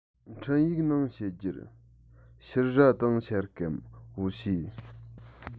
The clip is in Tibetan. འཕྲིན ཡིག ནང བཤད རྒྱུར ཕྱུར ར དང ཤ སྐམ འོ ཕྱེ